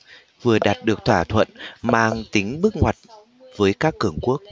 vừa đạt được thỏa thuận mang tính bước ngoặt với các cường quốc